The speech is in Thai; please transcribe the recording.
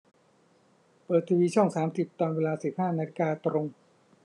เปิดทีวีช่องสามสิบตอนเวลาสิบห้านาฬิกาตรง